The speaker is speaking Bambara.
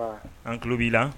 An tulo b'i la